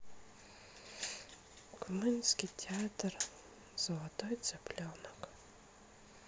кумыкский театр золотой цыпленок